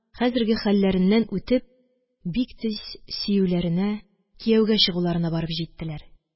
Хәзерге хәлләреннән үтеп, бик тиз сөюләренә, кияүгә чыгуларына барып җиттеләр.